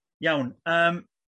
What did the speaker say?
Iawn yym